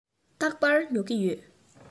རྟག པར ཉོ གི ཡོད